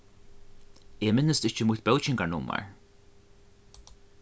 eg minnist ikki mítt bókingarnummar